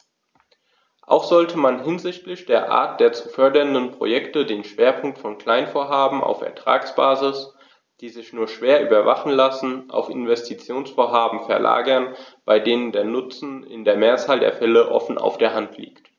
Auch sollte man hinsichtlich der Art der zu fördernden Projekte den Schwerpunkt von Kleinvorhaben auf Ertragsbasis, die sich nur schwer überwachen lassen, auf Investitionsvorhaben verlagern, bei denen der Nutzen in der Mehrzahl der Fälle offen auf der Hand liegt.